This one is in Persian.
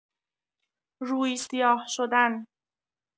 روی سیاه شدن